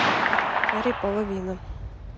карри половина